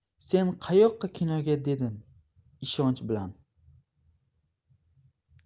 sen qayoqqa kinoga dedim ishonch bilan